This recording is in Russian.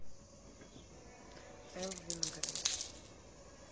элвин грей